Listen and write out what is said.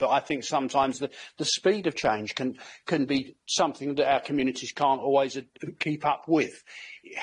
but I think sometimes the the speed of change can can be something that our communities can't always keep up with.